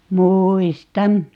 muistan